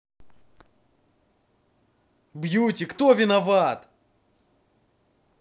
beauty кто виноват